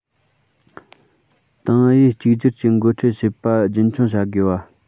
ཏང ཨུ ཡིས གཅིག གྱུར གྱིས འགོ ཁྲིད བྱེད པ རྒྱུན འཁྱོངས བྱ དགོས པ